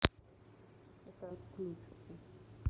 это отключки